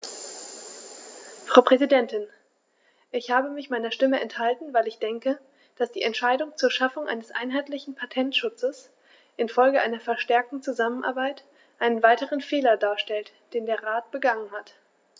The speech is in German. Frau Präsidentin, ich habe mich meiner Stimme enthalten, weil ich denke, dass die Entscheidung zur Schaffung eines einheitlichen Patentschutzes in Folge einer verstärkten Zusammenarbeit einen weiteren Fehler darstellt, den der Rat begangen hat.